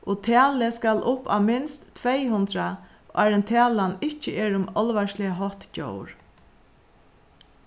og talið skal upp á minst tvey hundrað áðrenn talan ikki er um álvarsliga hótt djór